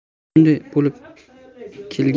hamisha shunday bo'lib kelgan